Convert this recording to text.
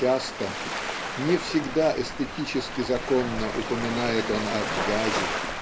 Часто (не всегда эстетически-законно) упоминает он о "газе"